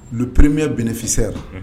Lupremeya bkisɛsɛyara